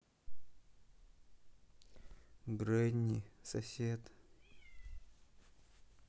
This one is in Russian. гренни сосед